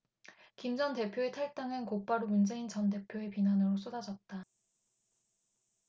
김 전 대표의 탈당은 곧바로 문재인 전 대표의 비난으로 쏟아졌다